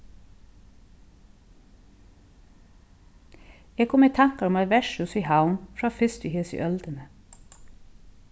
eg kom í tankar um eitt vertshús í havn frá fyrst í hesi øldini